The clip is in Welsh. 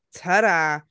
Ta-ra!